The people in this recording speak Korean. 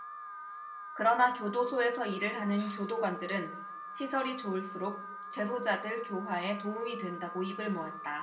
그러나 교도소에서 일을 하는 교도관들은 시설이 좋을수록 재소자들 교화에 도움이 된다고 입을 모았다